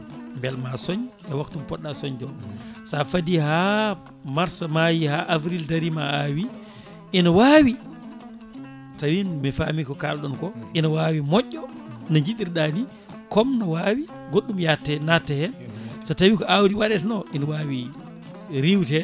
beel ma sooñ e waktu mo poɗɗo soñje o sa faadi ha mars maayi ha avril darima a awi ene wawi tawi mi fami ko kalɗon o ina wawi moƴƴo no jiɗirɗa ni comme wawi goɗɗum natta hen so tawi ko awdi waɗete no ene wawi riwtede